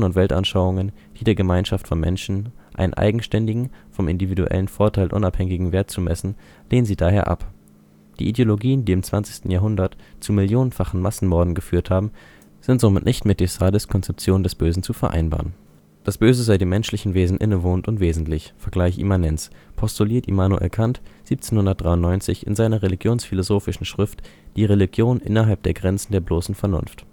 Weltanschauungen, die der Gemeinschaft von Menschen einen eigenständigen, vom individuellen Vorteil unabhängigen Wert zumessen, lehnen sie daher ab. Die Ideologien, die im 20. Jahrhundert zu millionenfachen Massenmorden geführt haben, sind somit nicht mit de Sades Konzeption des Bösen zu vereinbaren. Das Böse sei dem menschlichen Wesen innewohnend und wesentlich (vgl. Immanenz) postuliert Immanuel Kant 1793 in seiner religionsphilosophischen Schrift Die Religion innerhalb der Grenzen der bloßen Vernunft